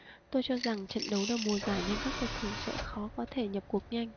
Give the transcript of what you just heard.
tôi cho rằng trận đấu đầu mùa giải nên các cầu thủ sẽ khó có thể nhập cuộc nhanh